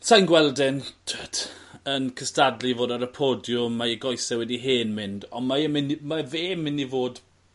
sai'n gweld e'n t'wod yn cystadlu i fod ar y podiwm mae 'i goese wedi hen mynd on' mae e mynd i mae fe myn' i fod